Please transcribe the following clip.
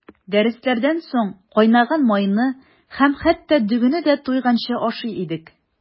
Дәресләрдән соң кайнаган майны һәм хәтта дөгене дә туйганчы ашый идек.